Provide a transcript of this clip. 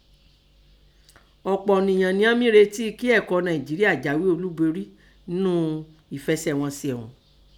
Ọ̀pọ̀ ọ̀nìyàn nián mí retí kín ekọ̀ Nàìnjeríà jáwé olúborí ńnú ìfẹsẹ̀ghọnsẹ̀ ọ̀ún.